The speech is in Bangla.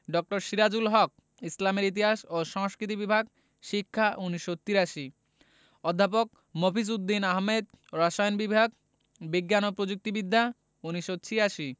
ড. সিরাজুল হক ইসলামের ইতিহাস ও সংস্কৃতি বিভাগ শিক্ষা ১৯৮৩ অধ্যাপক মফিজ উদ দীন আহমেদ রসায়ন বিভাগ বিজ্ঞান ও প্রযুক্তি বিদ্যা ১৯৮৬